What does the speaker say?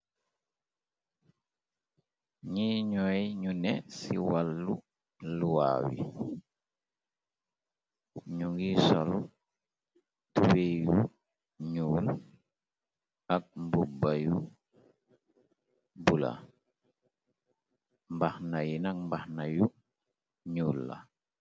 Ngi ñooy ñu ne ci wàllu luwaa yi ñu ngi solu tuweyu ñuul ak mbobbayu bu la mbaxna yinak mbaxna yu ñuul la.